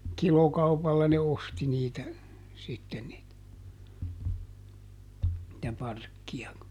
kilokaupalla ne osti niitä sitten niitä niitä parkkeja